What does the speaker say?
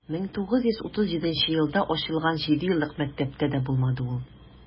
1937 елда ачылган җидееллык мәктәптә дә булмады ул.